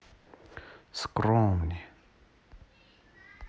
скромный